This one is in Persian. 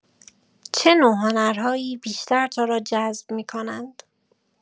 چه نوع هنرهایی بیشتر تو را جذب می‌کنند؟